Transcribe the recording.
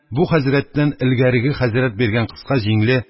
Бу хәзрәттән элгәреге хәзрәт биргән кыска җиңле